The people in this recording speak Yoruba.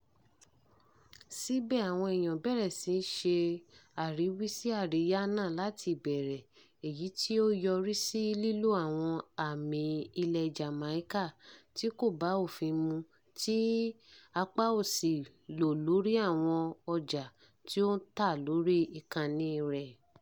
Síbẹ̀, àwọn èèyàn bẹ̀rẹ̀ sí ṣe àríwísí àríyá náà láti ìbẹ̀rẹ̀, èyí tí ó yọrí sí lílo àwọn àmì ilẹ̀ Jàmáíkà tí kò bá òfin mu tí West lò lórí àwọn ọjà tí ó ń tà lórí ìkànnì rẹ̀.